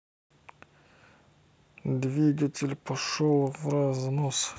двигатель пошел вразнос